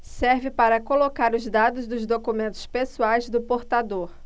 serve para colocar os dados dos documentos pessoais do portador